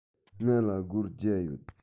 ང ལ སྒོར བརྒྱ ཡོད